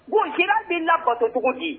Bon yi b'i lakɔtɔugu di